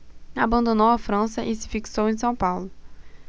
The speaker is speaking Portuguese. abandonou a frança e se fixou em são paulo